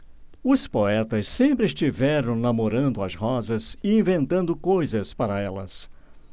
os poetas sempre estiveram namorando as rosas e inventando coisas para elas